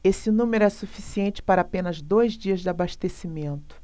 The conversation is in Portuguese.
esse número é suficiente para apenas dois dias de abastecimento